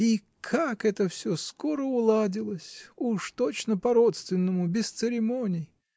И как это все скоро уладилось: уж точно по-родственному, без церемоний.